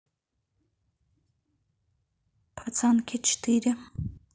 пацанки четыре